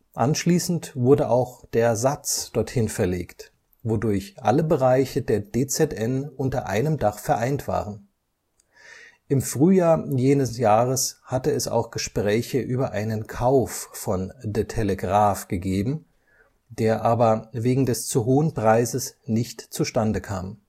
Anschließend wurde auch der Satz dort hinverlegt, wodurch alle Bereiche der DZN unter einem Dach vereint waren. Im Frühjahr jenes Jahres hatte es auch Gespräche über einen Kauf von De Telegraaf gegeben, der aber wegen des zu hohen Preises nicht zustande kam